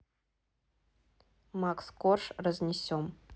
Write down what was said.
макс корж разнесем